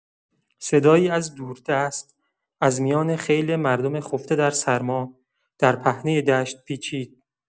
صدایی از دوردست از میان خیل مردم خفته در سرما، در پهنه دشت پیچید.